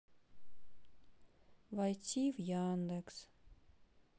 войти в яндекс